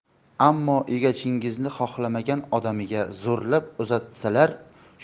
ammo egachingizni xohlamagan odamiga zo'rlab uzatsalar